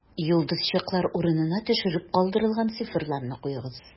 Йолдызчыклар урынына төшереп калдырылган цифрларны куегыз: